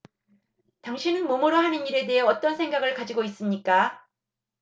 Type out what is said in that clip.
당신은 몸으로 하는 일에 대해 어떤 생각을 가지고 있습니까